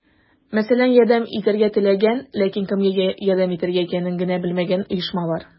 Мәсәлән, ярдәм итәргә теләгән, ләкин кемгә ярдәм итергә икәнен генә белмәгән оешма бар.